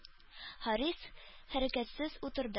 Харис хәрәкәтсез утырды.